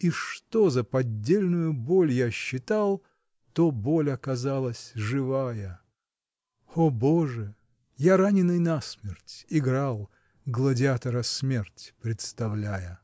И что за поддельную боль я считал, То боль оказалась живая — О Боже, я раненный насмерть — играл, Гладиатора смерть представляя!